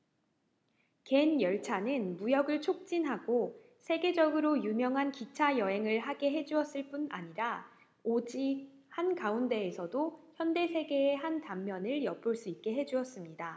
갠 열차는 무역을 촉진하고 세계적으로 유명한 기차 여행을 하게 해 주었을 뿐 아니라 오지 한가운데에서도 현대 세계의 한 단면을 엿볼 수 있게 해 주었습니다